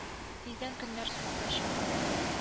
Тиздән көннәр суытачак